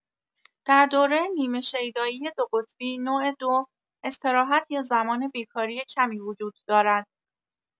در دوره نیمه‌شیدایی دوقطبی نوع دو، استراحت یا زمان بی‌کاری کمی وجود دارد.